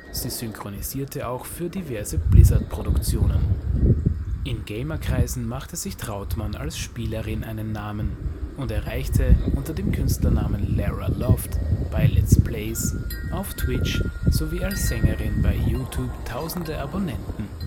Sie synchronisierte auch für diverse Blizzard-Produktionen. In Gamerkreisen machte sich Trautmann als Spielerin einen Namen und erreichte unter dem Künstlernamen Lara Loft bei Let’ s Plays auf Twitch sowie als Sängerin bei YouTube tausende Abonnenten